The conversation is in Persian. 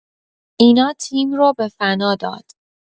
اینا تیم رو به فنا داد.